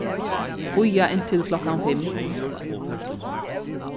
bíða inntil klokkan fimm